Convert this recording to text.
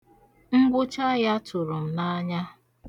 Ngwụcha ya tụrụ m n'anya.